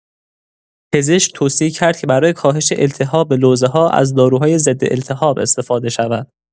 پزشک توصیه کرد که برای کاهش التهاب لوزه‌ها از داروهای ضدالتهاب استفاده شود.